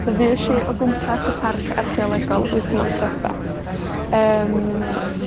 So fuesh i o gwmpas y parc archeolegol wythnos dwetha. Yym.